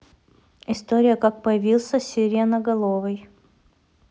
история как появился сиреноголовый